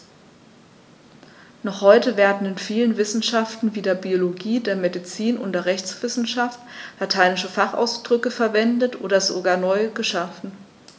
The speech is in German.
Noch heute werden in vielen Wissenschaften wie der Biologie, der Medizin und der Rechtswissenschaft lateinische Fachausdrücke verwendet und sogar neu geschaffen.